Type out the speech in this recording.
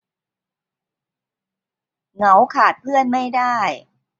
เหงาขาดเพื่อนไม่ได้